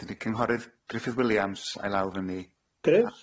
Wedyn y cynghorydd Griffith Williams a'i law fyny. Griff?